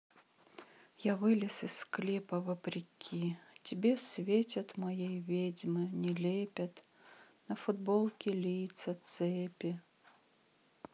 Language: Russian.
я вылез из склепа вопреки тебе светят моей ведьмы не лепят на футболке лица цепи